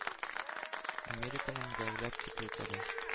Американың дәүләт секретаре